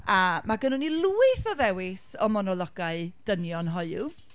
A, mae gennyn ni lwyth o ddewis o monologau dynion hoyw...